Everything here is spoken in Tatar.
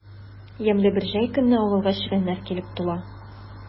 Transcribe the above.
Ямьле бер җәйге көнне авылга чегәннәр килеп тула.